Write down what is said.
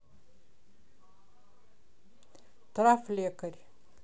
трав лекарь